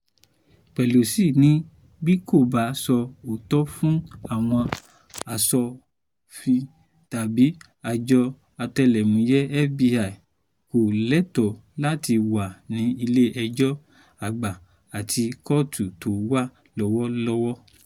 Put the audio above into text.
Pelosí ní “Bi kò bá sọ òótọ́ fún àwọn aṣòfin tàbí àjọ ọ̀tẹ̀lẹmúyẹ́ FBI, kò lẹ́tọ̀ọ́ láti wà ní ilé-ẹjọ́ Àgbà àti kọ́ọ̀tù tó wà lọ́wọ́lọ́wọ́ .”